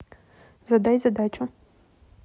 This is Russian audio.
задай задачу